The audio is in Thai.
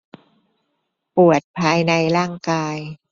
ปวดภายในร่างกาย